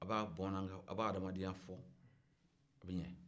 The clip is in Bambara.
aw b'a adamadenya fɔ aw bɛ ɲɛ